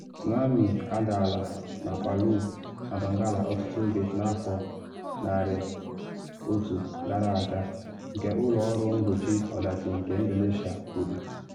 Tsunami adaala na Palu na Dongalla ọtụtụ oge n’afọ 100 gara aga, nke Ụlọ Ọrụ Mgbochi Ọdachi nke Indonedia kwuru.